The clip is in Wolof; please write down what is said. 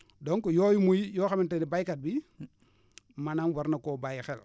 donc yooyu muy yoo xamante ne béykat bi maanaam war na koo bàyyi xel